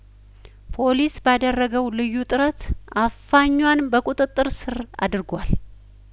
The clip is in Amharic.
ፖሊስ ባደረገው ልዩ ጥረት አፋኟን በቁጥጥር ስር አድርጓል